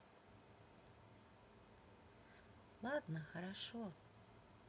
ладно хорошо